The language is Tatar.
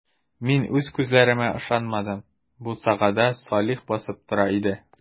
Мин үз күзләремә ышанмадым - бусагада Салих басып тора иде.